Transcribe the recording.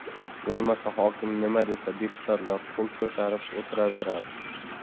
bo'lmasa hokim nima desa deputatlar qo'l ko'tarib o'tiraveradi